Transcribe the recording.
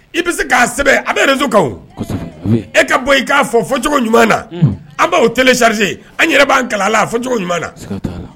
I bɛ se k'a sɛbɛn a bɛ réseau kan wo , kosɛbɛ,e ka bɔ i k'a fɔ a fɔ cogo ɲuman na , an b'o télécharger an yɛrɛ b'an kalan a fɔcogoɲuman na.sika t'a la